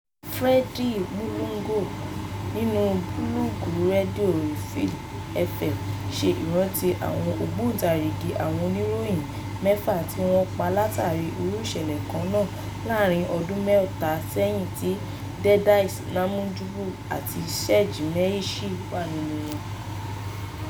Freddy Mulongo [Fr] nínú búlọ́ọ̀gù Radio Revéil FM, ṣe ìrántí àwọn ógbóǹtarigì àwọn oníròyìn mẹ́fa tí wọ́n pa látàrí irú ìṣẹ̀lẹ̀ kan nàà láàárìn ọdún mẹ́ta sẹ́yìn tí Didace Namujimbo àti Serge Maheshe wà nínu wọn.